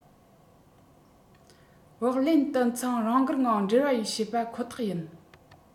བོགས ལེན དུད ཚང རང འགུལ ངང འབྲེལ བ བྱེད པ ཁོ ཐག ཡིན